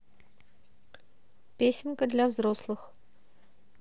песенка для взрослых